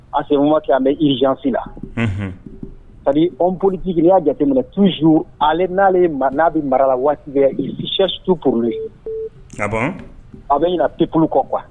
Aseke an bɛ izsi la kabini anwoliigya jateminɛ tuuzu ale n'ale ma n'a bɛ mara la waati si su plen a bɛ ɲɛna pep kɔ kuwa